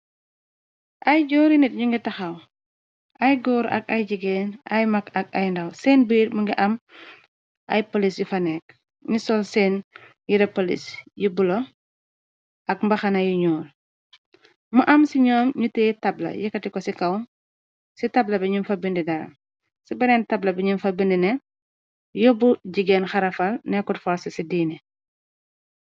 ay jóori nit yu ngi taxaw ay góor ak ay-jigéen ay mag ak ay ndaw seen biir mi ngi am ay polis yu fa nekk ni sol seen yira polis yi bulo ak mbaxana yu ñuur mu am ci ñoom nute tabla yëkkati ko ci kaw ci tabla bi ñu fa bindi dara ci baneen tabla bi num fa bindne yóbb jigéen karafal nequad forse ci diini